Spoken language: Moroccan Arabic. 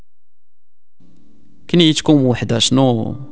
كم وحده شنو